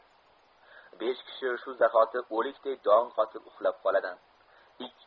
besh kishi shu zahoti o'likday dong qotib uxlab qoladi